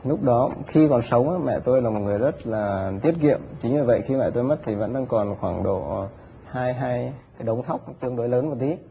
lúc đó khi còn sống mẹ tôi là một người rất là tiết kiệm chính bởi vậy khi mẹ tôi mất thì vẫn đang còn khoảng độ à hai hai đống thóc tương đối lớn một tí